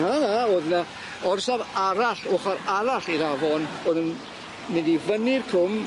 Na, na, oedd 'ny orsaf arall, ochor arall i'r afon, o'dd yn mynd i fyny'r cwm.